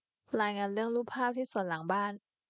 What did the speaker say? รายงานเรื่องรูปภาพที่สวนหลังบ้าน